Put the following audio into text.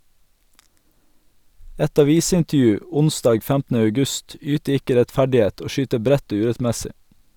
Et avisintervju (onsdag 15. august) yter ikke rettferdighet og skyter bredt og urettmessig.